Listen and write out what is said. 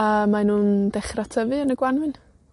A mae nw'n dechra tyfu yn y Gwanwyn.